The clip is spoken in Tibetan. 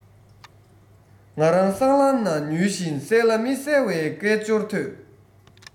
ང རང སྲང ལམ ན ཉུལ བཞིན གསལ ལ མི གསལ བའི སྐད ཅོར ཐོས